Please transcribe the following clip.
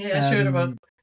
Ia... yym. ...siŵr o fod.